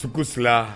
Su sira